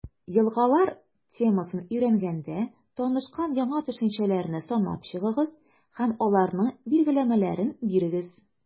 «елгалар» темасын өйрәнгәндә танышкан яңа төшенчәләрне санап чыгыгыз һәм аларның билгеләмәләрен бирегез.